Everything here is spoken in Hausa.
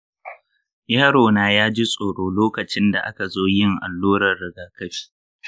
yaro na ya ji tsoro lokacin da aka zo yin allurar rigakafi.